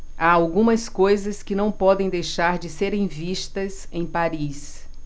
há algumas coisas que não podem deixar de serem vistas em paris